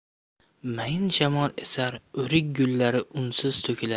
mayin shamol esar o'rik gullari unsiz to'kilar